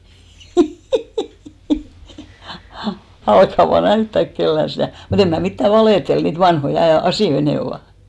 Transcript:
älkää vain näyttäkö kenellekään sitä mutta en minä mitään valehtele niitä vanhoja - asioita ne ovat